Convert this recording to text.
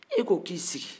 e ko k'i sigi